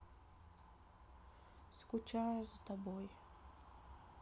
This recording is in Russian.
скучаю за тобой